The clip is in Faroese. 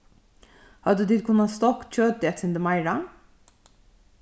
høvdu tit kunnað stokt kjøtið eitt sindur meira